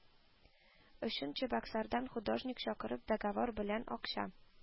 Өчен, чебоксардан художник чакырып, договор белән акча